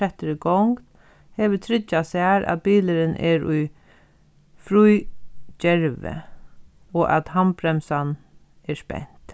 settur í gongd hevur tryggjað sær at bilurin er í frígervi og at handbremsan er spent